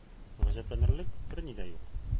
Гаҗәпләнерлек берни дә юк.